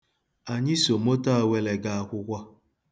Anyị so moto Awele ga akwụkwọ.